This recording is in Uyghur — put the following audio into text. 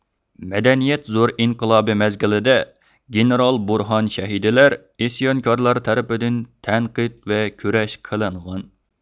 مەدەنىيەت زور ئىنقىلابى مەزگىلىدە گېنېرال بۇرھان شەھىدىلەر ئىسيانكارلار تەرىپىدىن تەنقىد ۋە كۈرەش قىلىنغان